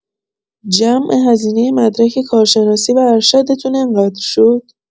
جمع هزینه مدرک کارشناسی و ارشدتون انقدر شد؟